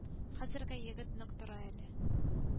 Китап укырга гына вакытлары җитми.